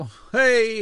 O, hei!